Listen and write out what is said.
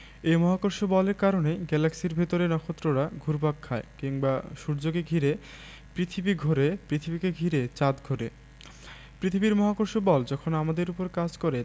এই মহাকর্ষ বলের কারণে গ্যালাক্সির ভেতরে নক্ষত্ররা ঘুরপাক খায় কিংবা সূর্যকে ঘিরে পৃথিবী ঘোরে পৃথিবীকে ঘিরে চাঁদ ঘোরে পৃথিবীর মহাকর্ষ বল যখন আমাদের ওপর কাজ করে